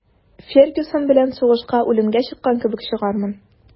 «фергюсон белән сугышка үлемгә чыккан кебек чыгармын»